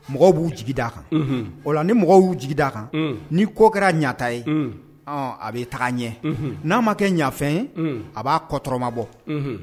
Mɔgɔ b'u jigi d'a kan o la ni mɔgɔw y'u jigi d'a kan ni kɔ kɛra ɲata ye a b'i taga ɲɛ n'a ma kɛ ɲafɛn ye a b'a kɔ dɔgɔtɔrɔuramabɔ